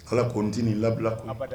Ala k ko nt ni labila kun